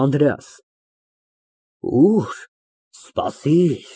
ԱՆԴՐԵԱՍ ֊ Ո՞ւր։ Սպասիր։